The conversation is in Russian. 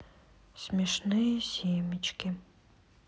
смешные семечки